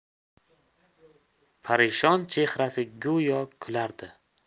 parishon chehrasi go'yo kulardi